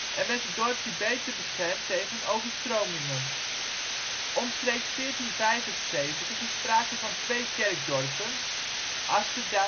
het dorpje beter beschermd tegen overstromingen. Omstreeks 1475 is sprake van twee kerkdorpen - Asterdyck